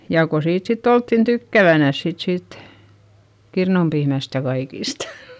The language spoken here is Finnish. ja kun siitä sitten oltiin tykkäävänänsä sitten siitä kirnupiimästä ja kaikista